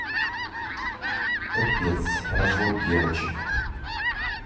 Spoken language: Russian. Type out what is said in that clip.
капец развод девочек